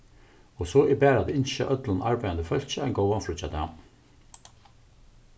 og so er bara at ynskja øllum arbeiðandi fólki ein góðan fríggjadag